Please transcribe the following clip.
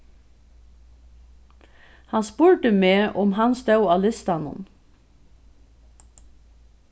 hann spurdi meg um hann stóð á listanum